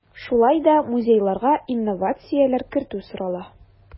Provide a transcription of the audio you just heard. Шулай да музейларга инновацияләр кертү сорала.